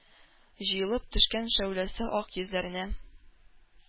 Җыелып, төшкән шәүләсе ак йөзләренә.